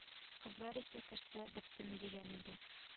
Кызлар исе керсә беттем диген инде